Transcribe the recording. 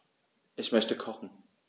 Ich möchte kochen.